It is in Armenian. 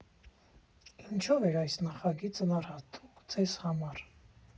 Ինչո՞վ էր այս նախագիծն առանձնահատուկ քեզ համար։